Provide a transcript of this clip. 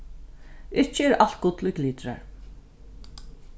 ikki er alt gull ið glitrar